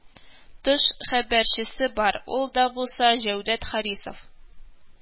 Тыш хәбәрчесе бар, ул да булса - җәүдәт харисов